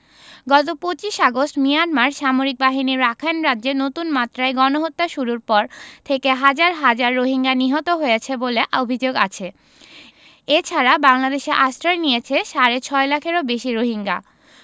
গত ২৫ আগস্ট মিয়ানমার সামরিক বাহিনী রাখাইন রাজ্যে নতুন মাত্রায় গণহত্যা শুরুর পর থেকে হাজার হাজার রোহিঙ্গা নিহত হয়েছে বলে অভিযোগ আছে এ ছাড়া বাংলাদেশে আশ্রয় নিয়েছে সাড়ে ছয় লাখেরও বেশি রোহিঙ্গা